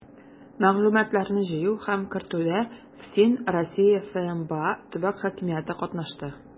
Мәгълүматларны җыю һәм кертүдә ФСИН, Россия ФМБА, төбәк хакимияте катнашты.